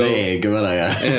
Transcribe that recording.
Vague yn fan'na ia .